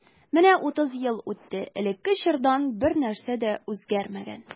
Менә утыз ел үтте, элекке чордан бернәрсә дә үзгәрмәгән.